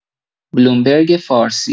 بلومبرگ فارسی